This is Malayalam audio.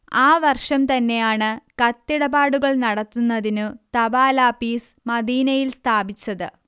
ആ വർഷം തന്നെയാണ് കത്തിടപാടുകൾ നടത്തുന്നതിനു തപാലാപ്പീസ് മദീനയിൽ സ്ഥാപിച്ചത്